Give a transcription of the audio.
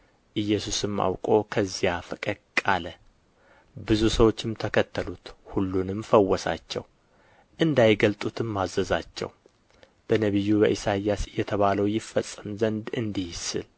ኢየሱስም አውቆ ከዚያ ፈቀቅ አለ ብዙ ሰዎችም ተከተሉት ሁሉንም ፈወሳቸው እንዳይገልጡትም አዘዛቸው በነቢዩ በኢሳይያስ የተባለው ይፈጸም ዘንድ እንዲህ ሲል